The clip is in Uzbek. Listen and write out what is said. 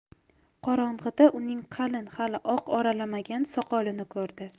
qorong'ida uning qalin hali oq oralamagan soqolini ko'rdi